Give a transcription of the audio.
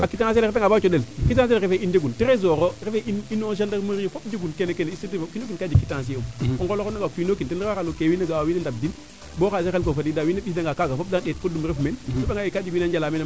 a quittance :fdra ale o reta nga ba coondel quittance ale refee in njegun tresor o refee ino gendarmerie yoo fop njegun kene kene structure e o kiino kiin ka jeg quittance e um o ngola xona nga o kiino kiin ten waru kene o ga'a wiin we ndamb diin bo xalis a xelko fadiida wene mbisida nga kaaga fook de ndet podnum ref meen a soɓa ngaaye ka jega wana njala meen